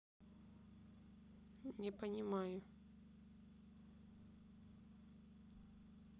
не понимаю